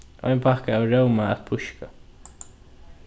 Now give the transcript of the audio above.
ein pakka av róma at píska